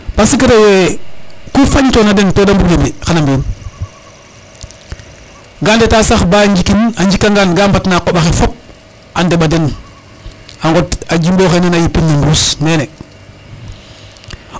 parce que rewe ku fañ tona den to de mbung no mbi xana mbi in ga ndeta sax ba njikin a njika ngan ga mbat na a qombale fop a ndemba den a ŋot xa jumbo xena den a jipin no mbus nene